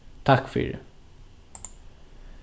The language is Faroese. takk fyri